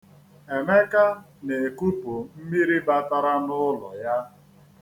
Emeka na-ekupu mmiri batara n'ụlọ ya.